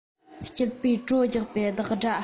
སྐྱིད པོའི བྲོ རྒྱག པའི རྡིག སྒྲ